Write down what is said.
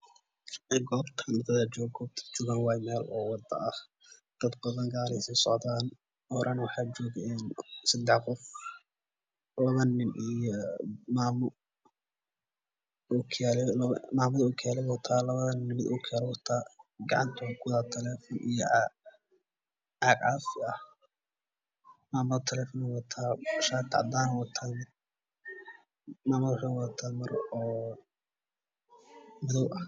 Gotten dadajoga gobtey jogan waameelwado ah dadbadan gari sosocdan horayna waxa joga sidaxqof Labonin iyo mamo mamada okiyalewadataa Labadanin namid okiyaluwata gacantawaxuku wada talefon iyo cag cafi ah mamada talefon neywadatamid shati cadan nuwata mamada waxey waddata maromadow ah